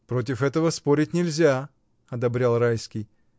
Против этого спорить нельзя, — одобрял Райский.